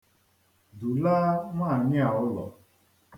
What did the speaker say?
Dulaa nwaanyị a ụlọ.